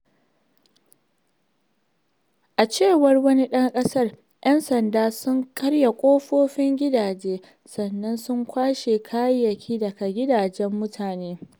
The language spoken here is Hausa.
A cewar wani ɗan ƙasar, 'yan sanda sun karya ƙofofin gidaje sannan sun kwashe kayayyaki daga gidajen mutane.